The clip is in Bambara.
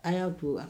A y'a bolo wa